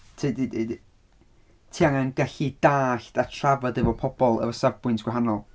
Ti 'di d-, ti angen gallu dallt a trafod efo pobl efo safbwynt gwahanol...